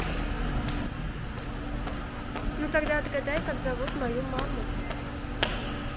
ну тогда отгадай как зовут мою маму